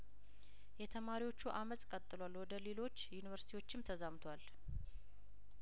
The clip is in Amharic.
የተማሪዎቹ አመጽ ቀጥሏል ወደ ሌሎች ዩኒቨርስቲዎችም ተዛምቷል